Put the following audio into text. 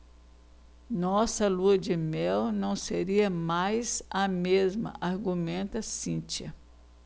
nossa lua-de-mel não seria mais a mesma argumenta cíntia